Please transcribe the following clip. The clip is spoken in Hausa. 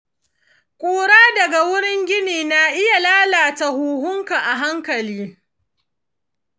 ƙura daga wurin gini na iya lalata huhunka a hankali.